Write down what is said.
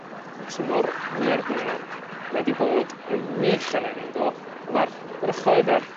Ma' tymor mwyar duon wedi bod yn wych eleni 'ndo a ma'r gwrychoedd a'r